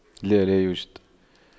لا لا يوحد